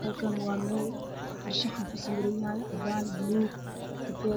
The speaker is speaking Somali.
Qolkan wa mel far shaxan ku sawiran yahay cadan bulug kafe